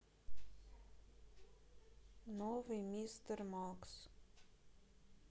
новый мистер макс